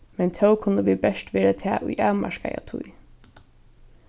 men tó kunnu vit bert vera tað í avmarkaða tíð